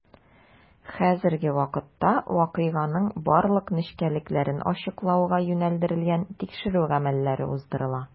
Хәзерге вакытта вакыйганың барлык нечкәлекләрен ачыклауга юнәлдерелгән тикшерү гамәлләре уздырыла.